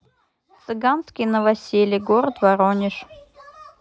цыганские новоселий город воронеж